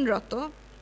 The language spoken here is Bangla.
বিশ্ববিদ্যালয় ৩